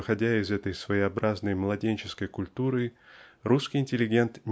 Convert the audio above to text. выходя из этой своеобразной младенческой культуры русский интеллигент .